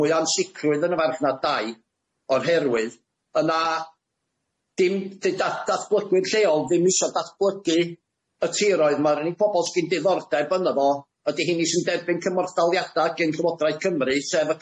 mwy o ansicrwydd yn y farchnad dai o'r herwydd yna dim ddi- dat- datblygwyr lleol ddim isio datblygu y tiroedd ma'r unig pobol sgin diddordeb yno fo ydi heini sy'n derbyn cymorthdaliada gin cyfodraeth Cymru sef y